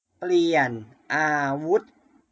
เปลี่ยนอาวุธ